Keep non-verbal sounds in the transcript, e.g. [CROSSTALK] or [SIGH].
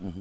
[HESITATION] [HESITATION]